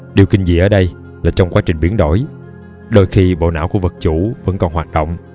điều kinh dị ở đây là trong quá trình biến đổi đôi khi bộ não của vật chủ vẫn còn hoạt động